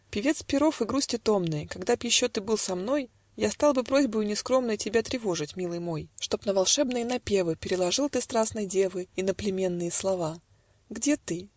Певец Пиров и грусти томной , Когда б еще ты был со мной, Я стал бы просьбою нескромной Тебя тревожить, милый мой: Чтоб на волшебные напевы Переложил ты страстной девы Иноплеменные слова. Где ты?